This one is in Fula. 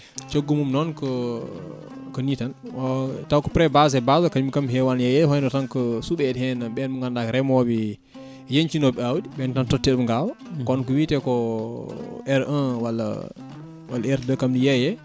coggu mum noon ko koni tan tawko pré-base e base kañum kam heewani yeeye hewno tan ko cuuɓede hen ɓen ɓe ganduɗa ko remoɓe yeñcinoɓe awdi ɓen tan totte ɗum gaawa woni ko witeko R1 walla R2 kam yeeye